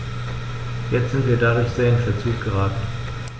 Jetzt sind wir dadurch sehr in Verzug geraten.